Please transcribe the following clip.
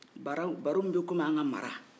bara-baro b'e komi an ka mara